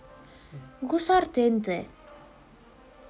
гусар тнт